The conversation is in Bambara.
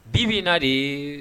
Bi min na de ye